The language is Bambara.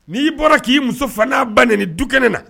N''i bɔra k'i muso fa ntan ba ni dukɛnɛ na